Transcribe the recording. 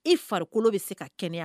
I farikolo bɛ se ka kɛnɛya